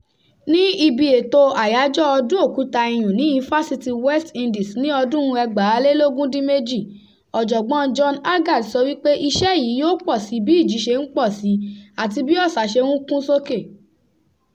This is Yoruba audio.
Ní ibi ètò Àyájọ́ Ọdún Òkúta iyùn ní Ifásitì West Indies ní ọdún-un 2018, Ọ̀jọ̀gbọ́n John Agard sọ wípé iṣẹ́ yìí yóò pọ̀ sí i bí ìjì ṣe ń pọ̀ sí i àti bí ọ̀sà ṣe ń kún sókè.